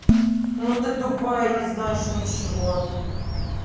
но ты тупая и не знаешь ничего